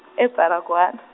e Baragwan-.